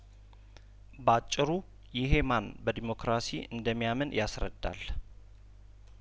በአጭሩ ይሄ ማን በዲሞክራሲ እንደሚያምን ያስረዳል